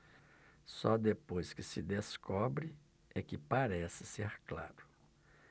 só depois que se descobre é que parece ser claro